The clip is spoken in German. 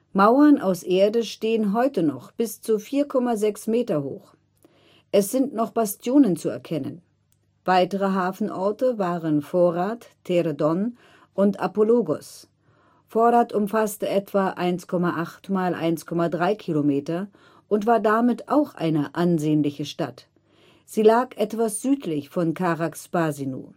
Mauern aus Erde stehen heute noch bis zu 4,6 m hoch an. Es sind noch Bastionen zu erkennen. Weitere Hafenorte waren Forat, Teredon und Apologos. Forat umfasste etwa 1,8 × 1,3 km und war damit auch eine ansehnliche Stadt. Sie lag etwas südlich von Charax-Spasinu